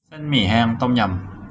เส้นหมี่แห้งต้มยำ